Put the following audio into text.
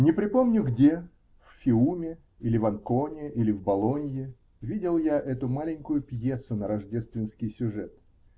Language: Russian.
Не припомню где -- в Фиуме, или в Анконе, или в Болонье -- видел я эту маленькую пьесу на рождественский сюжет.